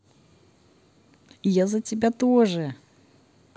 я за тебя тоже